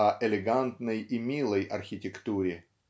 а элегантной и милой архитектуре.